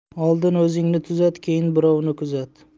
oldin o'zingni tuzat keyin birovni kuzat